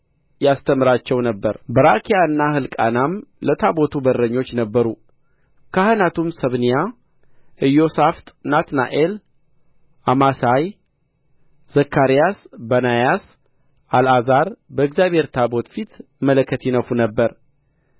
ያስተምራቸው ነበር በራክያና ሕልቃናም ለታቦቱ በረኞች ነበሩ ካህናቱም ሰበንያ ኢዮሳፍጥ ናትናኤል ዓማሣይ ዘካርያስ በናያስ አልዓዛር በእግዚአብሔር ታቦይ ፊት መለከት ይነፉ ነበር